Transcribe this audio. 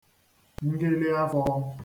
ngịlịafọ̄